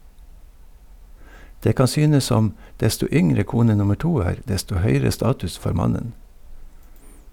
Det kan synes som desto yngre kone nummer to er, desto høyere status får mannen.